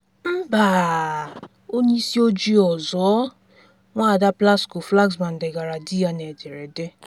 “MBAAAAAAAAAA ONYE ISI OJII ỌZỌ,” Nwada Plasco-Flaxman degara di ya n’ederede.